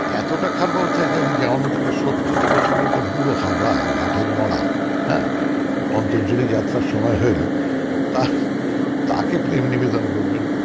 এতটা খারাপ অবস্থায় যায়নি যে আমার মত একটা 70 বছরের একটা বুড়ো হাবরা ঘাটের মড়া হ্যাঁ অন্তর জুড়েই যাত্রার সময় হইলো তার তাকে প্রেম নিবেদন করবেন